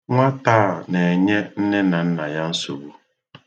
Nwata a na-enye nne na nna ya nsogbu.